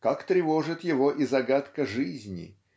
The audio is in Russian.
как тревожит его и загадка жизни